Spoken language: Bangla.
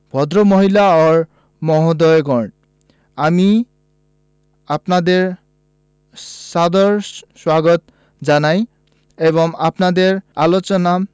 ভদ্রমহিলা ও মহোদয়গণ আমি আপনাদের সাদর স্বাগত জানাই এবং আপনাদের আলোচনা